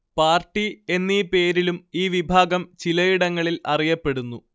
party എന്നീ പേരിലും ഈ വിഭാഗം ചിലയിടങ്ങളിൽ അറിയപ്പെടുന്നു